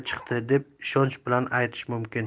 chiqdi deb ishonch bilan aytishimiz mumkin